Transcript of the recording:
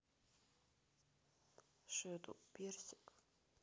шедоу персик